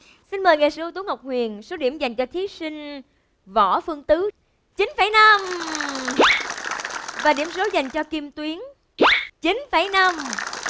xin mời nghệ sĩ ưu tú ngọc huyền số điểm dành cho thí sinh võ phương tứ chín phẩy năm và điểm số dành cho kim tuyến chín phẩy năm